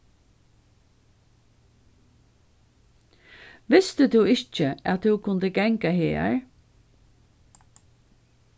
visti tú ikki at tú kundi ganga hagar